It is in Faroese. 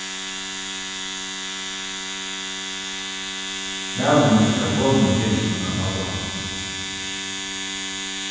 maðurin gav konuni tekin um at halda á